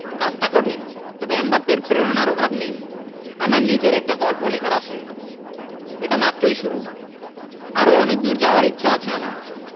কাজটা কঠিন তবে এমবাপ্পের প্রেরণার অভাব নেই আমার নিজের একটা গল্প লেখার আছে এটা মাত্রই শুরু আরও অনেক দূর যাওয়ার ইচ্ছা আছে আমার